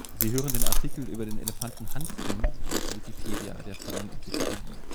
Sie hören den Artikel Hansken (Elefant), aus Wikipedia, der freien Enzyklopädie